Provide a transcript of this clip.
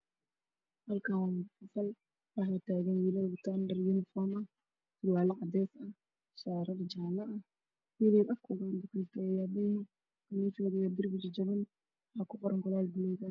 Halkaan waa qol waxaa taagan wiilal dhar cadaan ah qabo